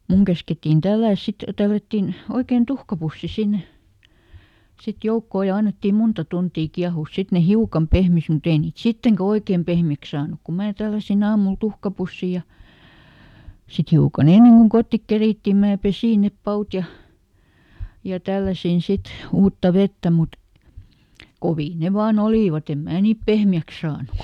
sitten minun käskettiin tällätä sitten tällättiin oikein tuhkapussi sinne sitten joukkoon ja annettiin monta tuntia kiehua sitten ne hiukan pehmisi mutta ei niitä sittenkään oikein pehmeiksi saanut kun minä tälläsin aamulla tuhkapussin ja sitten hiukan ennen kuin kotiin kerittiin minä pesin ne pavut ja ja tälläsin sitten uutta vettä mutta kovia ne vain olìvat en minä niitä pehmeäksi saanut kun